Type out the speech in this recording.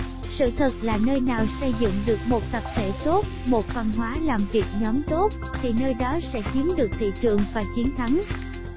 sự thật là nơi nào xây dựng được một tập thể tốt một văn hóa làm việc nhóm tốt thì nơi đó sẽ chiếm được thị trường và chiến thắng